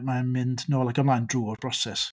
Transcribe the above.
Mae'n mynd nôl ac ymlaen drwy'r broses.